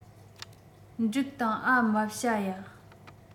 འབྲུག དང ཨ རྨ བྱ ཡ